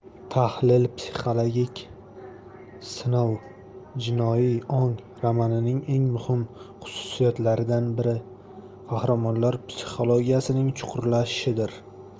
tahlil psixologik sinov jinoiy ong romanning eng muhim xususiyatlaridan biri qahramonlar psixologiyasining chuqurlashishidir